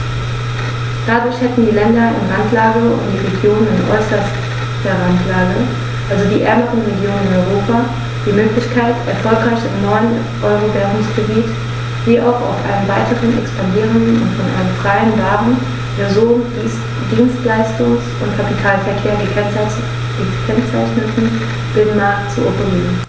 Dadurch hätten die Länder in Randlage und die Regionen in äußerster Randlage, also die ärmeren Regionen in Europa, die Möglichkeit, erfolgreich im neuen Euro-Währungsgebiet wie auch auf einem weiter expandierenden und von einem freien Waren-, Personen-, Dienstleistungs- und Kapitalverkehr gekennzeichneten Binnenmarkt zu operieren.